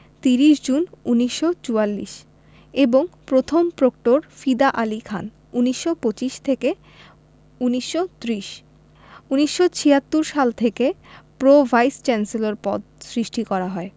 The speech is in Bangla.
৩০ জুন ১৯৪৪ এবং প্রথম প্রক্টর ফিদা আলী খান ১৯২৫ ১৯৩০ ১৯৭৬ সাল থেকে প্রো ভাইস চ্যান্সেলর পদ সৃষ্টি করা হয়